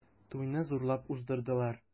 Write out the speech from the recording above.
Туйны зурлап уздырдылар.